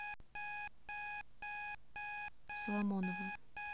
соломонова